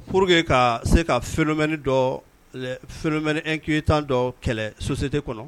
Pour que ka se ka phénomène inquiétant dɔ kɛlɛ société kɔnɔ